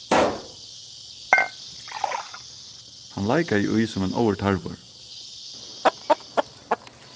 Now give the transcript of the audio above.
hann leikaði í sum ein óður tarvur